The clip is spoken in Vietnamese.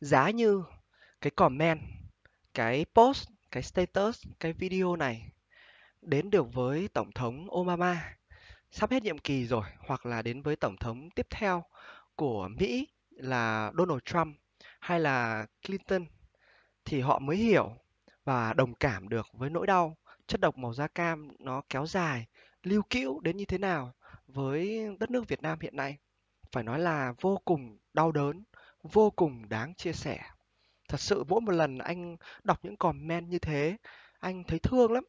giá như cái còm men cái pốt cái xì tây tớt cái vi đi ô này đến được với tổng thống ô ba ma sắp hết nhiệm kỳ rồi hoặc là đến với tổng thống tiếp theo của mỹ là đô nồ trăm hay là cờ lin tưn thì họ mới hiểu và đồng cảm được với nỗi đau chất độc màu da cam nó kéo dài lưu cữu đến như thế nào với đất nước việt nam hiện nay phải nói là vô cùng đau đớn vô cùng đáng chia sẻ thật sự mỗi một lần anh đọc những còm men như thế anh thấy thương lắm